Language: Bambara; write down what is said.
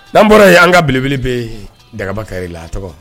N'an bɔra yen an ka belebele bɛ yen dagaba kɛ la a tɔgɔ